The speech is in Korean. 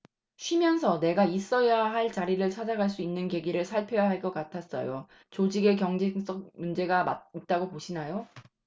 쉬면서 내가 있어야 할 자리를 찾아갈 수 있는 계기를 살펴야 할 것 같았어요 조직의 경직성 문제가 있다고 보시나요